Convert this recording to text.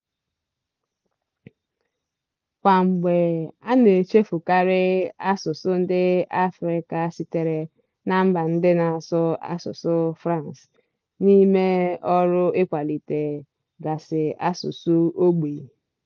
Kwamgbe, a na-echefukarị asụsụ ndị Afrịka sitere na mba ndị na-asụ asụsụ France n'ime ọrụ ịkwalite gasị asụsụ ogbe.